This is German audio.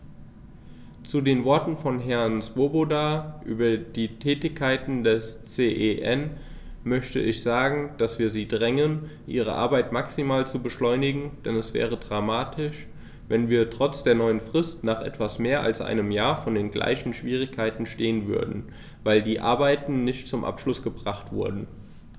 Zu den Worten von Herrn Swoboda über die Tätigkeit des CEN möchte ich sagen, dass wir sie drängen, ihre Arbeit maximal zu beschleunigen, denn es wäre dramatisch, wenn wir trotz der neuen Frist nach etwas mehr als einem Jahr vor den gleichen Schwierigkeiten stehen würden, weil die Arbeiten nicht zum Abschluss gebracht wurden.